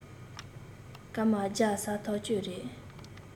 སྐར མ བརྒྱ ཟ ཐག གཅོད རེད